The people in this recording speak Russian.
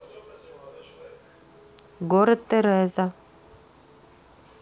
город тереза